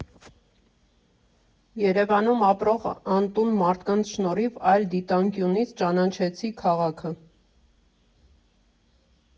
Երևանում ապրող անտուն մարդկանց շնորհիվ այլ դիտանկյունից ճանաչեցի քաղաքը։